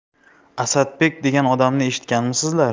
asadbek degan odamni eshitganmisizlar